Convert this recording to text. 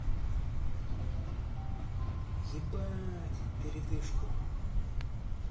ебать передышку